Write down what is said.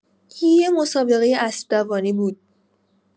یه مسابقه اسب‌دوانی بود.